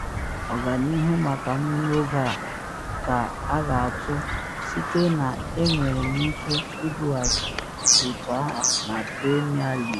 “Ọganihu maka m n’oge a ka a ga-atụ site na “enwere m ike idughachi otu a na Premier League?’